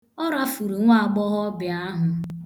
Ọ rafuru nwaagbọghọbịa ahụ?